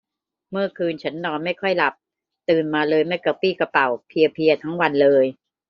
เมื่อคืนฉันนอนไม่ค่อยหลับตื่นมาเลยไม่กระปรี้กระเปร่าเพลียเพลียทั้งวันเลย